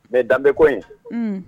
Mɛ ye danbebeko ye